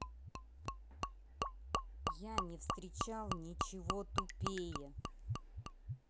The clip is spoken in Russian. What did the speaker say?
я не встречал ничего тупее